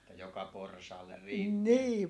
että joka porsaalle riitti